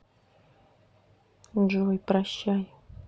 джой прощай